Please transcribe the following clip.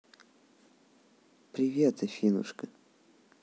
привет афинушка